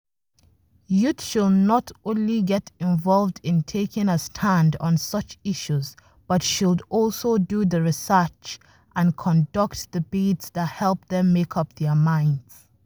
Youth should not only get involved in taking a stand on such issues, but should also do the research and conduct debates that help them make up their minds.